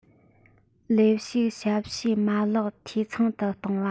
ལས ཞུགས ཞབས ཞུའི མ ལག འཐུས ཚང དུ གཏོང བ